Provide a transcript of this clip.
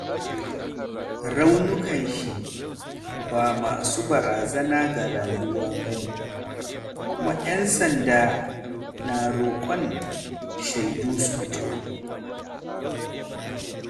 Raunukan shi ba masu barazana ga rayuwa bane kuma yan sanda na rokon shaidu su fito.